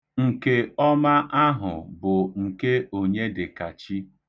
Nke ọma ahụ bụ nke Onyedịkachi.